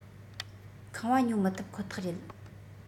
ཁང བ ཉོ མི ཐུབ ཁོ ཐག རེད